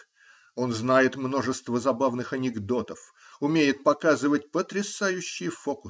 Он знает множество забавных анекдотов, умеет показывать потрясающие фокусы.